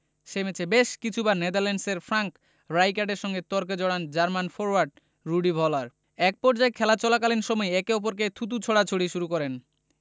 সে ম্যাচে বেশ কিছুবার নেদারল্যান্ডসের ফ্র্যাঙ্ক রাইকার্ডের সঙ্গে তর্কে জড়ান জার্মান ফরোয়ার্ড রুডি ভলার একপর্যায়ে খেলা চলাকালীন সময়েই একে অপরকে থুতু ছোড়াছুড়ি শুরু করেন